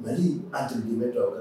Mɛ a siri di bɛ jɔ kan